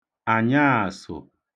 ànyaàsụ̀